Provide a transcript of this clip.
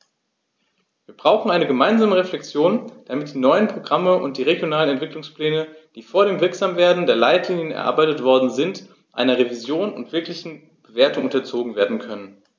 Wir brauchen eine gemeinsame Reflexion, damit die neuen Programme und die regionalen Entwicklungspläne, die vor dem Wirksamwerden der Leitlinien erarbeitet worden sind, einer Revision und wirklichen Bewertung unterzogen werden können.